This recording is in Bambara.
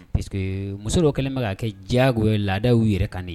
puisque muso dɔw kɛlen bɛ k'a kɛ diyagoya laada ye yɛrɛ kan